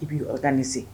I b bɛ o tan ni se